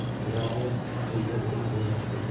yuragi to'lganning yig'isi ko'p